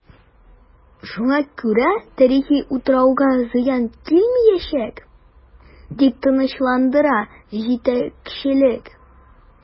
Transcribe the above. Шуңа күрә тарихи утрауга зыян килмиячәк, дип тынычландыра җитәкчелек.